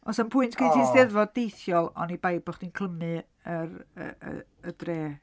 Ond snam ddim pwynt gen... o. ...ti 'Steddfod deithiol oni bai bod chdi'n clymu yr yy yy y dre.